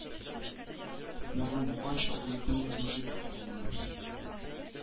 Мәгълүм булганча бу йортның язмышы бик катлаулы